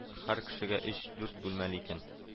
Һәр кешегә өч-дүрт бүлмәле икән